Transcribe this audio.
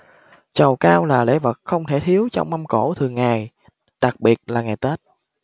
trầu cau là lễ vật không thể thiếu trong mâm cỗ thường ngày đặc biệt là ngày tết